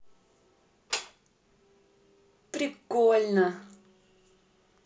прикольно